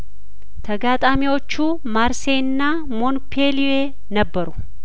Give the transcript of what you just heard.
ተጋጣሚዎቹ ማርሴይና ሞን ፔሊዬ ነበሩ